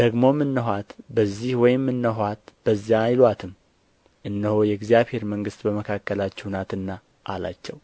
ደግሞም እንኋት በዚህ ወይም እንኋት በዚያ አይሉአትም እነሆ የእግዚአብሔር መንግሥት በመካከላችሁ ናትና አላቸው